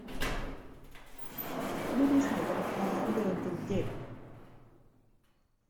ไม่ได้ใส่รองเท้าเดินจนเจ็บ